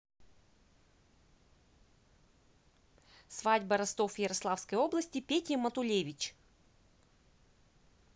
свадьба ростов ярославской области пети матулевич